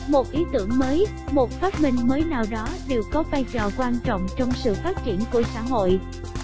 một ý tưởng mới một phát minh mới nào đó đều có vai trò quan trọng trong sự phát triển của xã hội